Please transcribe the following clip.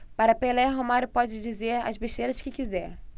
para pelé romário pode dizer as besteiras que quiser